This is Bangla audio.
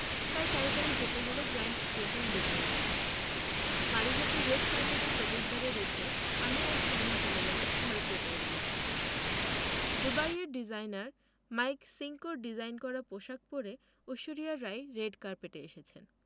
তাই তাড়াতাড়ি যেতে হলো গ্র্যান্ড থিয়েটার লুমিয়ারের দিকে মালিহাকে রেড কার্পেটের প্রবেশদ্বারে রেখে আমি আর শ্যানন চলে গেলাম ভারতীয় প্যাভিলিয়নে দুবাইয়ের ডিজাইনার মাইক সিঙ্কোর ডিজাইন করা পোশাক করে ঐশ্বরিয়া রাই রেড কার্পেটে এসেছেন